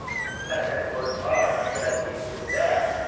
siz bilan yana ko'rishmoq menga nasib etsa